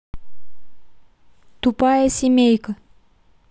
тупая семейка